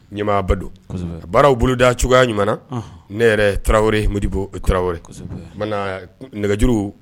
Ɲamaba don baararaww boloda cogoya ɲuman ne yɛrɛ tarawele modibo tarawele nɛgɛjuru